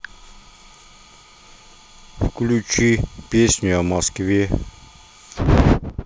включи песню о москве